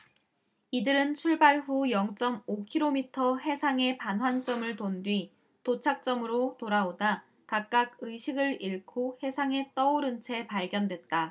이들은 출발 후 영 쩜 오 키로미터 해상의 반환점을 돈 뒤 도착점으로 돌아오다 각각 의식을 잃고 해상에 떠오른 채 발견됐다